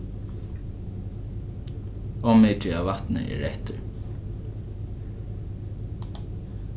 ov mikið av vatni er eftir